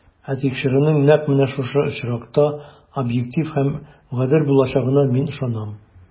Ә тикшерүнең нәкъ менә шушы очракта объектив һәм гадел булачагына мин ышанам.